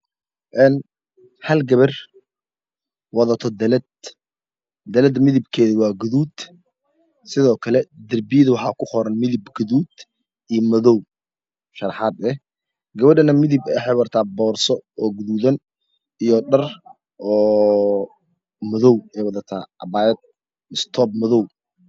Halkan waa tagan gabar dharka eey wadato waa madow sidole waxey wadata dalad kalar kedo yahay gadud